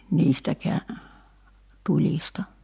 niistäkään tulista